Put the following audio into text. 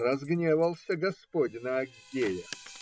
Разгневался господь на Аггея.